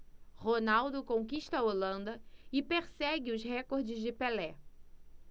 ronaldo conquista a holanda e persegue os recordes de pelé